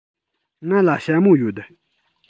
ང ལ ཞྭ མོ ཡོད